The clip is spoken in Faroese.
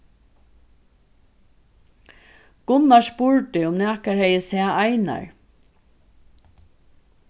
gunnar spurdi um nakar hevði sæð einar